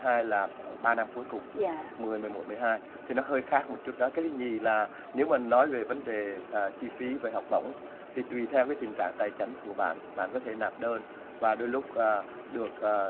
hai là ba năm cuối cùng mười mười một mười hai thì nó hơi khác một chút đã cái gì là nếu mình nói về vấn đề chi phí về học bổng thì tùy theo cái tình trạng tài chánh của bạn bạn có thể nạp đơn và đôi lúc là được ờ